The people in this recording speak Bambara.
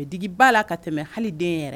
Mɛ digi b'a la ka tɛmɛ hali den yɛrɛ